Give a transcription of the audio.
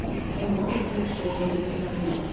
Адәм рәтле эшләргә генә сарыф ит.